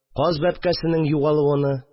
Каз бәбкәсенең югалуыны